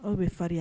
Aw bɛ farinya